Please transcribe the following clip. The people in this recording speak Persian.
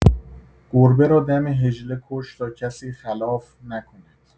گربه را دم حجله کشت تا کسی خلاف نکند.